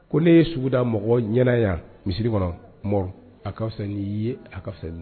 Ko ne ye suguda mɔgɔ ɲɛna yan misiri kɔnɔ a ka fisa n'i ye a ka fisa